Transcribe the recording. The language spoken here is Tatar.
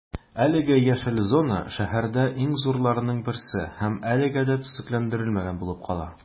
Әлеге яшел зона шәһәрдә иң зурларының берсе һәм әлегә дә төзекләндерелмәгән булып кала.